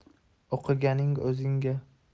o'qiganing o'zingga